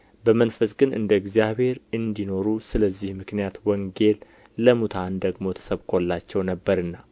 በመንፈስ ግን እንደ እግዚአብሔር እንዲኖሩ ስለዚህ ምክንያት ወንጌል ለሙታን ደግሞ ተሰብኮላቸው ነበርና